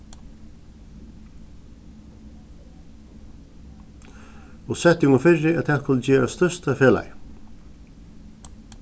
og settu okum fyri at tað skuldi gerast størsta felagið